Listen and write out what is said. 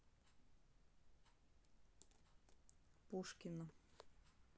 пушкино